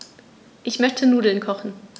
Ich möchte Nudeln kochen.